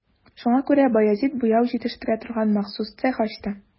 Шуңа күрә Баязит буяу җитештерә торган махсус цех ачты.